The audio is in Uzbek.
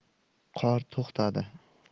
qor to'xtadi